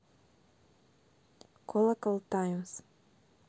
колокол times